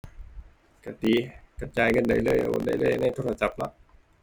กะติ ก็จ่ายเงินได้เลย โอนได้เลย ในโทรศัพท์เนาะ